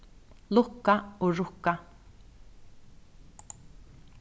lukka og rukka